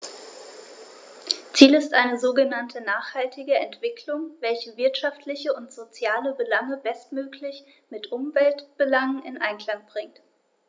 Ziel ist eine sogenannte nachhaltige Entwicklung, welche wirtschaftliche und soziale Belange bestmöglich mit Umweltbelangen in Einklang bringt.